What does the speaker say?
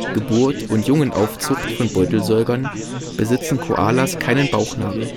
Geburt und Jungenaufzucht von Beutelsäugern besitzen Koalas keinen Bauchnabel